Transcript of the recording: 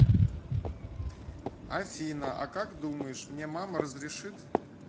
афина а как думаешь мне мама разрешит